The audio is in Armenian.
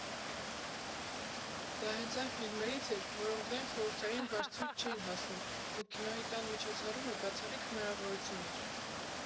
Դա հենց այն ֆիլմերից էր, որոնք լայն խորհրդային վարձույթ չէին հասնում ու Կինոյի տան միջոցառումը բացառիկ հնարավորություն էր։